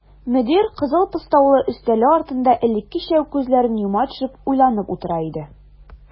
Мөдир кызыл постаулы өстәле артында элеккечә үк күзләрен йома төшеп уйланып утыра иде.